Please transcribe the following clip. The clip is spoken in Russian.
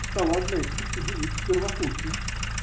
Встала одна из пяти девиц-первокурсниц.